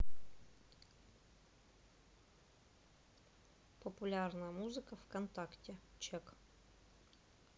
популярная музыка в контакте чек